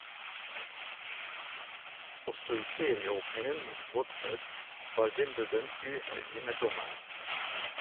Også i serieåpningen mot Watford var Wimbledon uheldige med dommeren.